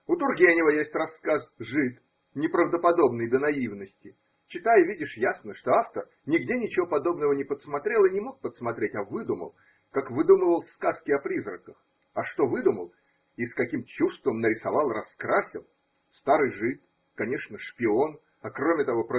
У Тургенева есть рассказ Жид, неправдоподобный до наивности: читая, видишь ясно, что автор нигде ничего подобного не подсмотрел и не мог подсмотреть, а выдумал, как выдумывал сказки о призраках, – и что выдумал, и с каким чувством нарисовал и раскрасил! Старый жид. конечно, шпион, а кроме того.